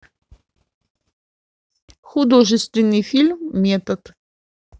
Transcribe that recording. художественный фильм метод